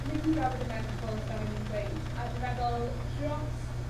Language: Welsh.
mynd i drafod y menopos fel o'n i'n gweud. A dwi meddwl drost